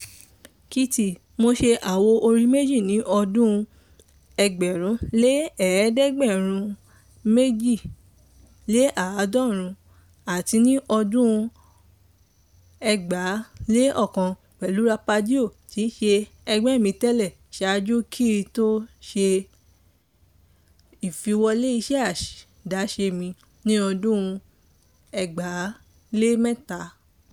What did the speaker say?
Keyti : mo ṣe àwo - orin méjì (ní ọdún 1998 àti ní ọdún 2001) pẹ̀lú Rapadio tí í ṣe ẹgbẹ́ mi tẹ́lẹ̀ sáájú kí n tó ṣe ìfilọ́lẹ̀ iṣẹ́ àdáṣe mi ní ọdún 2003